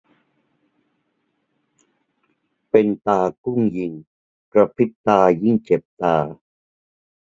เป็นตากุ้งยิงกระพริบตายิ่งเจ็บตา